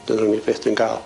Dyna'r unig beth dwi'n ga'l.